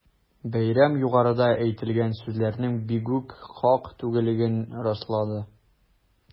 Бәйрәм югарыда әйтелгән сүзләрнең бигүк хак түгеллеген раслады.